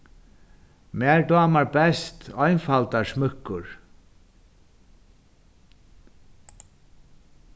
mær dámar best einfaldar smúkkur